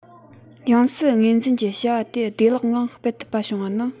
ཡང སྲིད ངོས འཛིན གྱི བྱ བ དེ བདེ ལེགས ངང སྤེལ ཐུབ པ བྱུང བ ནི